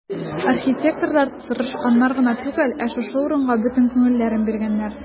Архитекторлар тырышканнар гына түгел, ә шушы урынга бөтен күңелләрен биргәннәр.